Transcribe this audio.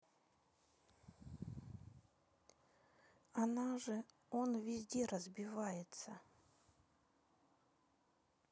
она же он везде разбивается